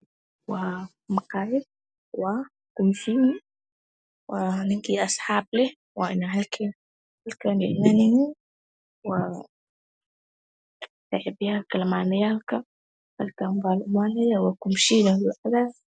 Waa maqaayad waa kubshiin waa ninkii asxaab leh wa halkaney imaanayiin waa saxiibayalka lamaanayaalka halkan baa la imaanayaa waa kobshiin baa lagu cabaa